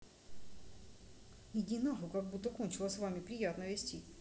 иди нахуй как будто кончила с вами приятно вести